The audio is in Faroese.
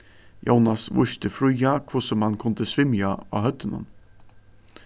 jónas vísti fríða hvussu mann kundi svimja á høvdinum